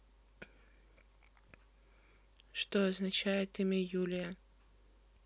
что означает имя юлия